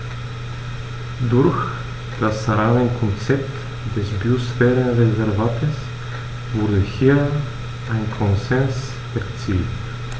Durch das Rahmenkonzept des Biosphärenreservates wurde hier ein Konsens erzielt.